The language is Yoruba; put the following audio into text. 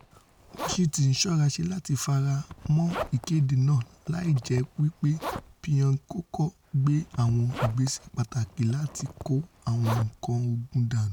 Washington ńsọ́raṣè láti faramọ́ ìkéde náà láijẹ́ wí pé Pyongyang kọ́kọ́ gbé àwọn ìgbésẹ̀ pàtàkì láti kó àwọn nǹkan ogun dánù.